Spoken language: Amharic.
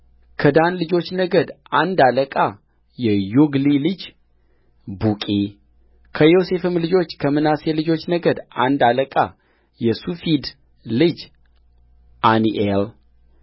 ከዳን ልጆች ንገድ አንድ አለቃ የዮግሊ ልጅ ቡቂከዮሴፍም ልጆች ከምናሴ ልጆች ነገድ አንድ አለቃ የሱፊድ ልጅ አኒኤል